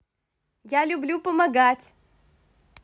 я люблю помогать